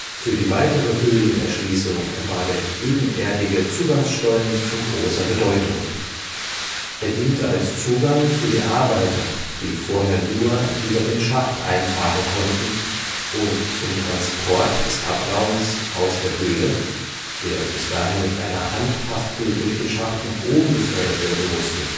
Für die weitere Höhlenerschließung war der ebenerdige Zugangsstollen von großer Bedeutung. Er diente als Zugang für die Arbeiter, die vorher nur über den Schacht einfahren konnten, und zum Transport des Abraums aus der Höhle, der bis dahin mit einer Handhaspel durch den Schacht nach oben befördert werden musste